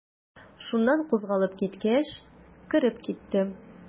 Шуннан кузгалып киткәч, кереп киттем.